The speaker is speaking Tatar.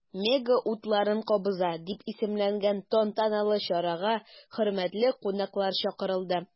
“мега утларын кабыза” дип исемләнгән тантаналы чарага хөрмәтле кунаклар чакырылды.